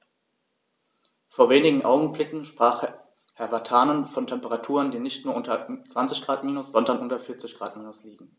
Vor wenigen Augenblicken sprach Herr Vatanen von Temperaturen, die nicht nur unter 20 Grad minus, sondern unter 40 Grad minus liegen.